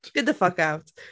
Get the fuck out.